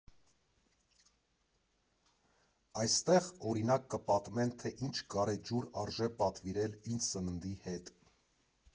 Այստեղ, օրինակ՝ կպատմեն, թե ինչ գարեջուր արժե պատվիրել ինչ սննդի հետ։